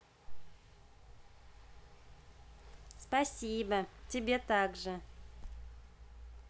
спасибо тебе также